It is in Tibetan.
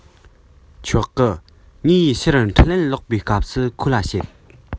ཆོག གི ངས ཕྱིར འཕྲིན ལན ལོག པའི སྐབས སུ ཁོ ལ བཤད